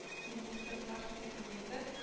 Министрлар Кабинеты